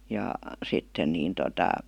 ja sitten niin tuota